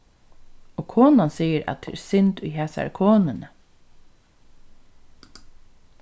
og konan sigur at tað er synd í hasari konuni